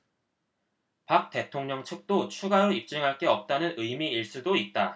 박 대통령 측도 추가로 입증할 게 없다는 의미일 수 있다